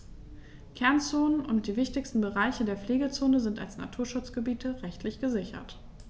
Kernzonen und die wichtigsten Bereiche der Pflegezone sind als Naturschutzgebiete rechtlich gesichert.